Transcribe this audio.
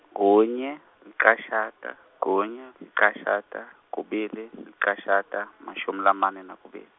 kunye, licashata, kunye, licashata, kubili , licashata, mashumi lamane nakubili.